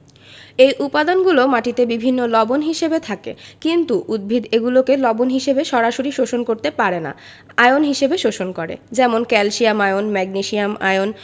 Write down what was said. এ উপাদানগুলো মাটিতে বিভিন্ন লবণ হিসেবে থাকে কিন্তু উদ্ভিদ এগুলোকে লবণ হিসেবে সরাসরি শোষণ করতে পারে না আয়ন হিসেবে শোষণ করে যেমন ক্যালসিয়াম আয়ন ম্যাগনেসিয়াম আয়ন